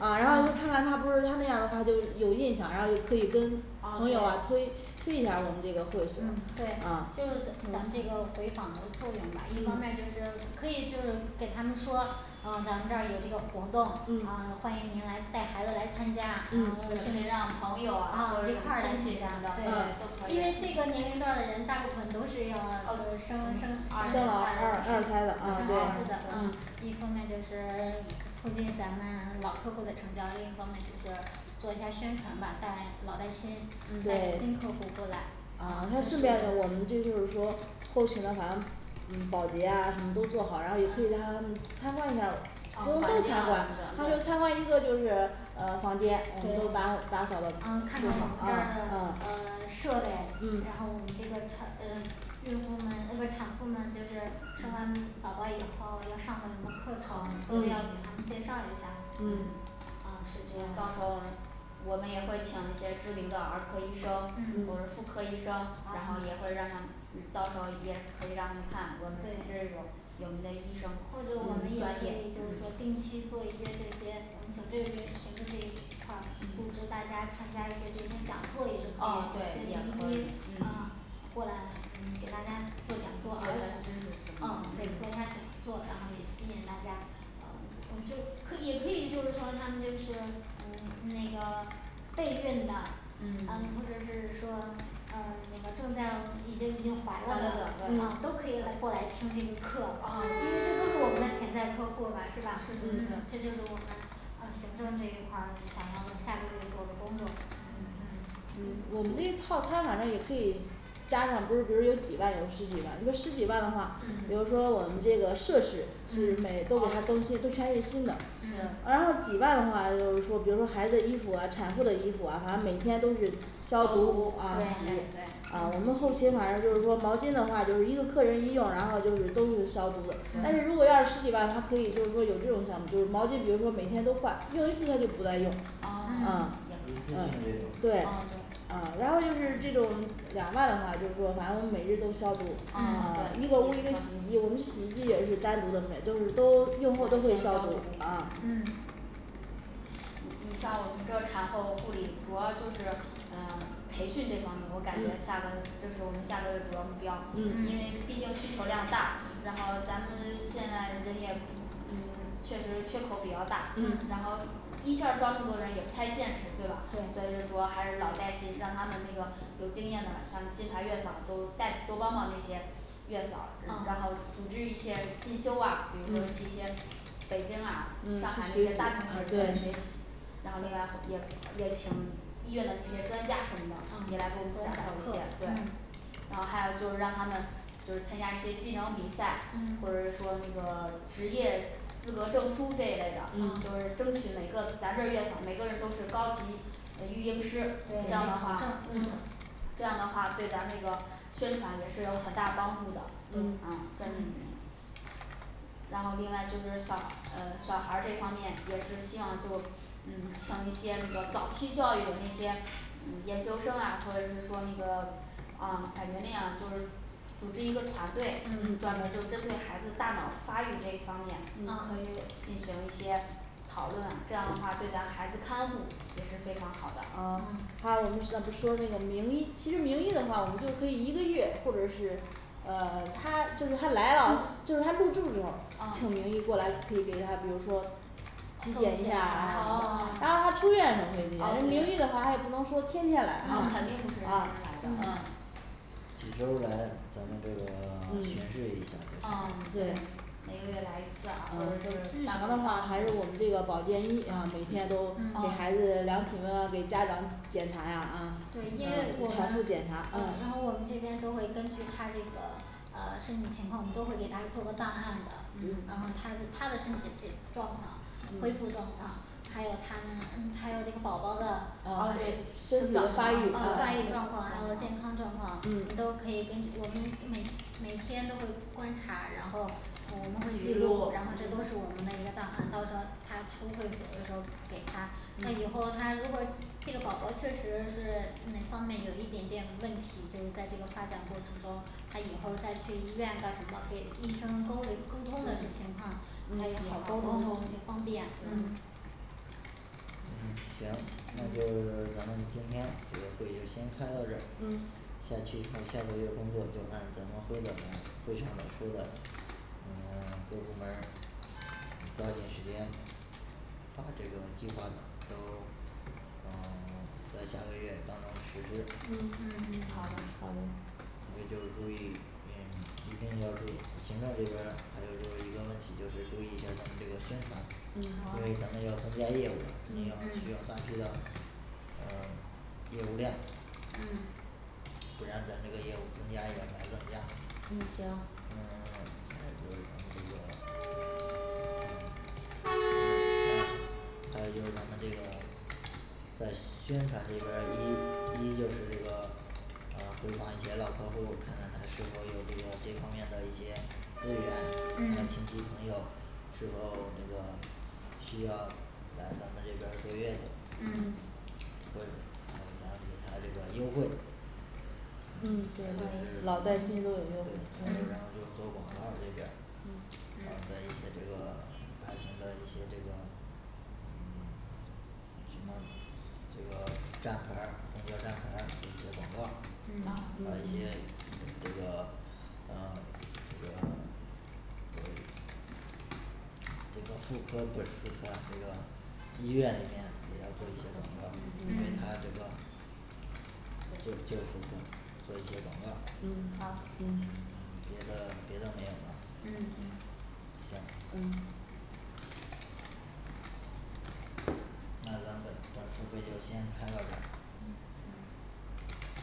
啊啊然后看看他不是他那样的话就有印象，然后就可以跟啊朋友啊对推推一下儿我们这个会所嗯对啊就是咱们这个回访的作用吧，一方面就嗯是可以就是给他们说啊咱们这儿有这个活动，啊嗯欢嗯迎您来带孩子来参加，嗯可以然让后朋友啊一块儿亲来参戚什么加的都可对以因为这个年龄段的人大部分都是要呃生生生生生孩子老二二二二胎胎的的啊啊对的呃一方面就是 促进咱们老客户的成交，另一方面就是做一下宣传吧，带老带新带个嗯新对客户过来嗯那剩下的我们这就是说后勤的反正嗯保洁啊什么都做好然后也可以让他嗯参观一下儿啊房间啊什么的不是说都参观他就参对观一个就是呃房间我们都打对打扫的啊挺看看我们好这儿的啊嗯呃 设备然后我们这个产 呃孕妇们呃不是产妇们就是生完宝嗯宝以后，要上的什么课程都要给他们嗯介绍一下嗯嗯啊是这样到时候儿我们也会请一些知名的儿科医生或者嗯妇科医生然后也会让他们让 到时候也可以让他们看我们这对儿有有名的医生或者我们嗯也专可业以就是说定期做一些这些，我们行这边行政这一块儿，组织嗯大家参加一些这些讲座也是可啊以对也的请可名医以过来嗯，给大家增做加讲座儿知识是童吗啊对做一下讲座，然后也吸引大家呃，嗯就是可以也可以就是说他们就是嗯那个 备孕的呃或嗯者是说呃那个正在已经已经怀怀了了的的啊对都可以来过来听这个课，因为这都是我啊们的潜在客户吧是是是吧？是这就是我们呃行政这一块儿想要下个月做的工作嗯嗯嗯我们这个套餐反正也可以加上不是不是有几万有十几万，你说十几万的话，比如说我嗯们这个设施就是嗯每个给他哦东西都全是新的嗯然后几万的话就是说比如说孩子的衣服啊，产妇的啊衣服反正每天都是消消毒对对对啊啊我们后嗯期反正就是说毛巾的话就是一个客人一用，然后就是都是消毒的但是如果嗯要是十几万，他可以就是说有这种项目就是毛巾，比如说每天都换，用一次他就不再用嗯嗯对嗯啊然后就是这种两万的话就是说反正我每日都消毒嗯啊一对个屋一个也我们洗衣机也是单独了出来就是都消用后都给你消毒毒嗯你你像我们这个产后护理主要就是呃培训这方面，我感觉下个嗯这是我们下个月主要目标因为毕嗯嗯竟需求量大然后咱们 现在人也不嗯确实缺口比较大，嗯嗯然后一下儿招那么多人也不太现实，对吧所对以就主要还是老带新，让他们那个有经验的，像金牌月嫂儿都带多帮帮那些月嫂儿，然嗯然后组织一些进修啊，比如说嗯去一些北京啊上嗯海那些大城市都在学对嗯习然后那个也也请医院的一些专家什么的也来嗯给我们分享过一来些讲课对然后还有就是让他们就是参加一些技能比赛，嗯或者是说那个 职业资格证书这一类的，就是嗯嗯争取每个咱这儿月嫂每个人都是高级呃育婴师这样的对话证儿这样的话对咱那个宣传也是有很大帮助的嗯啊跟然后另外就是小呃小孩儿这方面也是希望就嗯请一些那个早期教育的那些嗯研究生啊或者是说那个啊感觉那样就是组织一个团队，嗯专门儿就针对孩子大脑发育这一方面可嗯以进行一些讨论啊，这样的话对咱孩子看护也是非常好的啊 嗯还有我们上次说那个名医，其实名医的话我们就可以一个月或者是呃她就是她来了就就是她入住的时候请名啊医过来可以给她比如说体检一下儿然后她嗯出院的时候可以见啊人名医的话对他也不能说天天来肯定不是天嗯天来的嗯嗯几周来咱们这个 巡嗯视一下啊对对每个月来一次啊，啊或者是半嗯具个体月的话还是我们嗯这个保健医然后每天都给孩嗯子量体温给家长检查呀啊呃对因为我全部检们查啊啊然后我们这边就会根据她这个呃身体情况我们都会给她做个档案的嗯呃嗯她的她的身体健 状况恢复状况还她的嗯还有这个宝宝的啊啊这身生体的长发发育啊育对对状况发育状况吧还有健康状况我们嗯都可以跟我们每每天都会观察，然后我们会记记录，录然后这都嗯是我们的一个档案，到时候他出会所的时候给他那嗯以后他如果这个宝宝确实是哪方面有一点点问题，就是在发展过程中他以后再去医院干什么，给医生都有沟通的对情况，他也好沟沟通也通方便嗯对嗯行，那就嗯是咱们今天这个会议就先开到这儿嗯下去看下个月工作的时候按咱们会的来会上的来说的嗯 各部门儿抓紧时间把这个计划都 啊在当月都落实嗯嗯嗯好好的的你这边儿注意呃一定要注意行政这边儿还有一个要求就是注意一下儿这个宣传你嗯这能力好要注意业务要反嗯复要呃 业务量嗯不然咱这个业务增加也白增嗯加行呃 还有就是咱们这个还有就是咱们这个 在宣传这边儿一第一就是这个 啊回访一些老客户儿看看是否这个这方面的一些意愿和亲嗯戚朋友呃最后 这个需要来咱们这个正规院嗯会然后咱给他这个优惠嗯可嗯以老带新都行有优惠还有就嗯是网上这边儿嗯咱们的一嗯些这个咱们的一些这个和这个站牌儿公交站牌儿做一些广告嗯把啊一些就是这个啊这个呃这个妇科不是这咱不要医院那些那不嗯可能还有这嗯个嗯好嗯别的别的没有啦嗯嗯行嗯那咱们本本次会议就先开到这儿&嗯嗯&